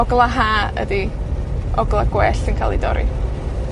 Ogla' Ha ydi, ogla' gwellt yn ca'l 'i dorri.